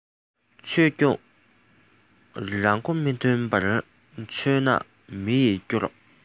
ཆོས སྐྱོང རང མགོ མི ཐོན པར མགོ ནག མི ཡི སྐྱོབ རོག